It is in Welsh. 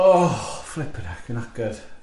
O, flippin' heck, fi'n knackered.